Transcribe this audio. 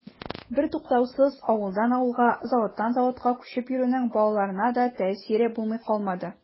Бертуктаусыз авылдан авылга, заводтан заводка күчеп йөрүнең балаларына да тәэсире булмый калмады.